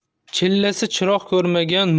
chillasi chiroq ko'rmagan